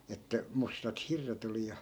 että mustat hirret oli ja